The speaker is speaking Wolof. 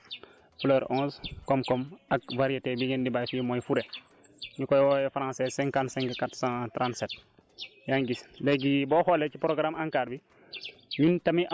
léegi ci wàllu wàllu gerte gi am na toset fleur onze koom-koom ak variété bi ngeen di béy fii mooy fure ñu koy woowee français cinquante cinq quatre cent trente sept yaa ngi gis